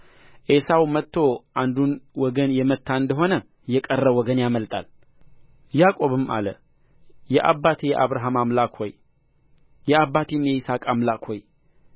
ዔሳው መጥቶ አንዱን ወገን የመታ እንደ ሆነ የቀረው ወገን ያመልጣል ያዕቆብም አለ የአባቴ የአብርሃም አምላክ ሆይ የአባቴም የይስሐቅ አምላክ ሆይ